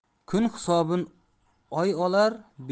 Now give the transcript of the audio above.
kun hisobini oy olar